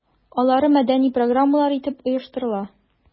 Алары мәдәни программалар итеп оештырыла.